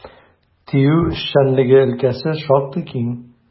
ТИҮ эшчәнлеге өлкәсе шактый киң.